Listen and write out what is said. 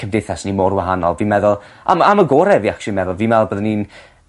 cymdeithas ni mor wahanol fi'n meddwl... Am am y gore fi actually yn meddwl fi me'wl byddwn ni'n